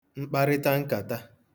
mkparịta nkàta